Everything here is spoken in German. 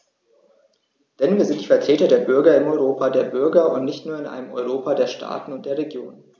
Denn wir sind die Vertreter der Bürger im Europa der Bürger und nicht nur in einem Europa der Staaten und der Regionen.